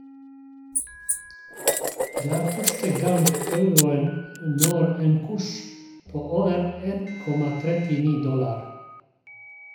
Det er første gang euroen når en kurs på over 1,39 dollar.